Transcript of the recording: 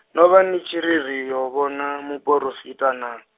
no vha ni tshiri ri yo vhona muporofita naa?